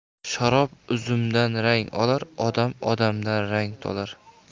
sharob uzumdan rang olar odam odamdan rangtolar